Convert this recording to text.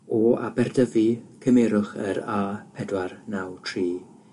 O Aberdyfi cymerwch yr a pedwar naw tri